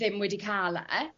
ddim wedi ca'l e.